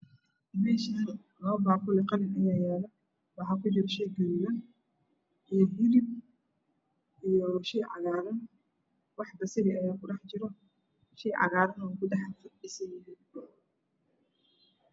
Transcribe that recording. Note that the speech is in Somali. Meshani laba baquli qalin ayaa yala waxaa ku jira shey gaduudan iyo hilib iyoo shey cagaran wax basaliya ayaa ku dhex jiro shey cagarana wuu ku dhex firdhisan yahay